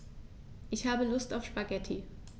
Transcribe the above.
Ich habe Lust auf Spaghetti.